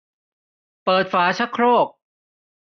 เปิดฝาชักโครก